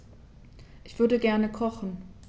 Ich würde gerne kochen.